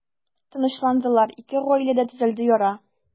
Тынычландылар, ике гаиләдә төзәлде яра.